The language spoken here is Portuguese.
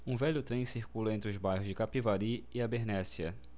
um velho trem circula entre os bairros de capivari e abernéssia